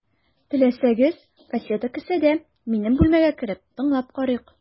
Теләсәгез, кассета кесәдә, минем бүлмәгә кереп, тыңлап карыйк.